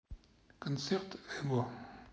концерт эго